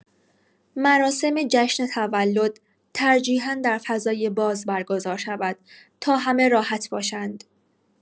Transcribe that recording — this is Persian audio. مراسم جشن تولد ترجیحا در فضای باز برگزار شود تا همه راحت باشند.